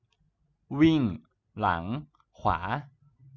วิ่งหลังขวา